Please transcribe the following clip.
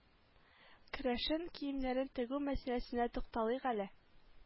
Керәшен киемнәрен тегү мәсьәләсенә тукталыйк әле